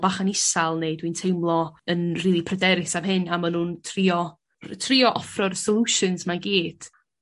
bach yn isal neu dwi'n teimlo yn rhy pryderus am hyn a ma'n nhw'n trio r- yy trio offro'r solutions 'ma i gyd.